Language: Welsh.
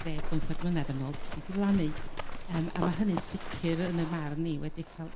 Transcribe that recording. ddeg bymthag mlynedd yn ol 'di diflannu yrm a ma' hynny'n sicr yn 'ym marn i wedi ca'l